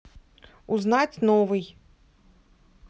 узнать новый